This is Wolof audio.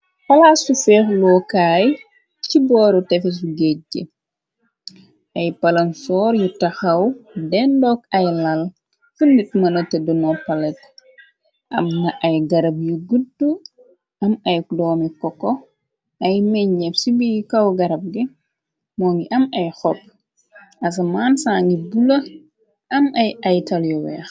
Palasu seh loukaay ci booru tefisu géej gi ay palonsor yu taxaw dendook ay làl fundit mëna te duno paleg am na ay garab yu gudd am ay doomi koko ay meñeb ci biy kaw garab gi moo ngi am ay xopp asamaansa ngi bu la am ay aytal yu weex.